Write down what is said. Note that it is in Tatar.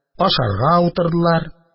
Ашарга утырдылар.